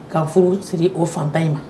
Ka furu siri o fanba in ma